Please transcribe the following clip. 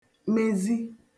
mezi